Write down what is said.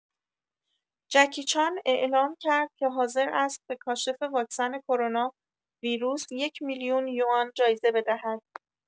جکی چان اعلام کرد که حاضر است به کاشف واکسن کرونا ویروس، یک‌میلیون یوآن جایزه بدهد.